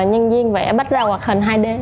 nhân viên vẽ bắt gia hoạt hình hai đê